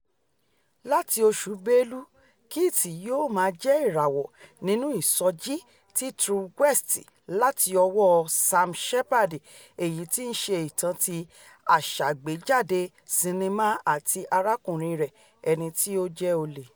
Láti oṣù Bélú Kit yóò máa jẹ́ ìràwọ nínú ìsọjí ti True West láti ọwọ́ Sam Shepard èyití i ṣe ìtàn ti aṣàgbéjáde sinnimá àti arákùnrin rẹ̀, ẹniti o jẹ́ olè.